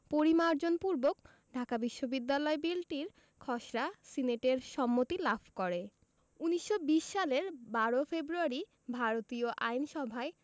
পরিমার্জন পূর্বক ঢাকা বিশ্ববিদ্যালয় বিলটির খসড়া সিনেটের সম্মতি লাভ করে ১৯২০ সালের ১২ ফেব্রুয়ারি ভারতীয় আইনসভায়